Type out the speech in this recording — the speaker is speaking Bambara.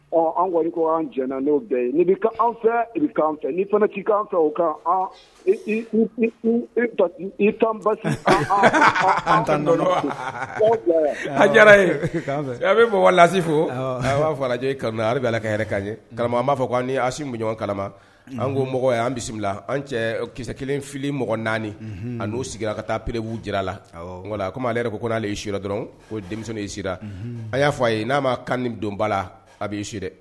Ɔ an ko an' bɛɛ fɛ i k'i fɛ o an a diyara a bɛ bɔla fo a b'a fɔ lajɛj a b' ala ka ka ɲɛ kara b'a fɔ koɲɔgɔn kalama an ko mɔgɔ an bisimila an cɛ kisɛ kelen fili mɔgɔ naani ani n'o sigira ka taa p peerebu jira la n komi ale yɛrɛ ko n'ale y'i siri dɔrɔn ko denmisɛn y'i sira a y'a fɔ a ye n'a ma kan donba la a bɛ'i su dɛ